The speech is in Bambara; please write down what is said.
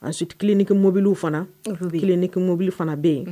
A su kelen niki mobili fana kelen niki mobili fana bɛ yen